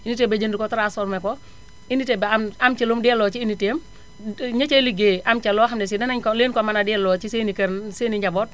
unité ba jënd ko transformé ko unité ba am am ca lu mu delloo ci unité am ña cay ligéeyee am ca loo xam ne si danañu ko leen ko mën a delloo ci seen i kër seen i njàboot